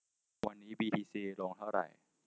วันนี้บีทีซีลงเท่าไหร่